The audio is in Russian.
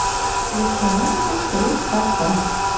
включи мультик три кота